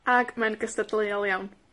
ag mae'n gystadleuol iawn.